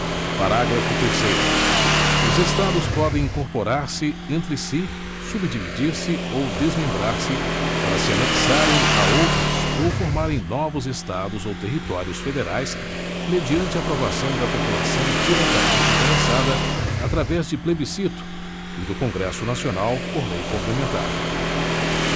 parágrafo terceiro os estados podem incorporar se entre si subdividir se ou desmembrar se para se anexarem a outros ou formarem novos estados ou territórios federais mediante aprovação da população diretamente interessada através de plebiscito e do congresso nacional por lei complementar